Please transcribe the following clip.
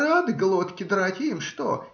Рады глотки драть; им что?